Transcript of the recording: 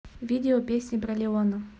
видео песни про леона